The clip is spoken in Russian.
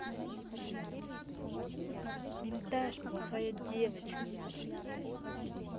винтаж плохая девочка